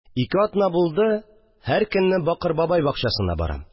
Ике атна булды, һәр көнне Бакыр бабай бакчасына барам